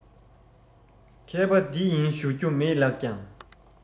མཁས པ འདི ཡིན ཞུ རྒྱུ མེད ལགས ཀྱང